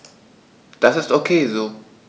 Das ist ok so.